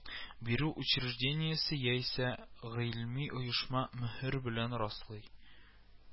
Бирү учреждениесе яисә гыйльми оешма мөһер белән раслый